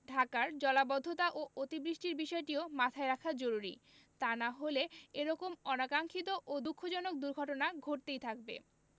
ঢাকার জলাবদ্ধতা ও অতি বৃষ্টির বিষয়টিও মাথায় রাখা জরুরী তা না হলে এ রকম অনাকাংক্ষিত ও দুঃখজনক দুর্ঘটনা ঘটতেই থাকবে